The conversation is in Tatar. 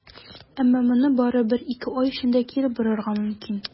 Әмма моны бары бер-ике ай эчендә кире борырга мөмкин.